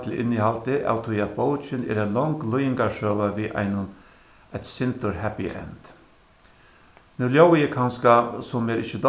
til innihaldið av tí at bókin er ein long líðingarsøga við einum eitt sindur happy end nú ljóði eg kanska sum mær ikki